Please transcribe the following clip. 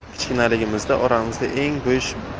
kichkinaligimizda oramizda eng bo'sh